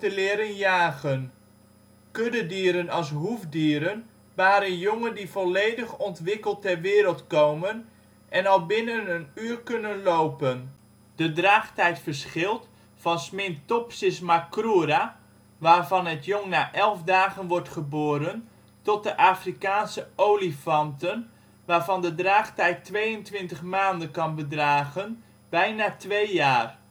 leren jagen. Kuddedieren als hoefdieren baren jongen die volledig ontwikkeld ter wereld komen en al binnen een uur kunnen lopen. De draagtijd verschilt van Sminthopsis macroura, waarvan het jong na elf dagen wordt geboren, tot de Afrikaanse olifanten, waarvan de draagtijd 22 maanden kan bedragen, bijna twee jaar